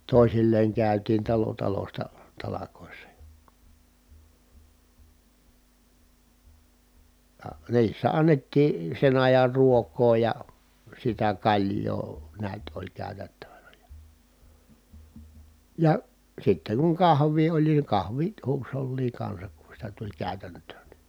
toisilleen käytiin talo talosta talkoissa ja ja niissä annettiin sen ajan ruokaa ja sitä kaljaa näet oli käytettävänä ja ja sitten kun kahvia oli niin kahvit huusholliin kanssa kun sitä tuli käytäntöön niin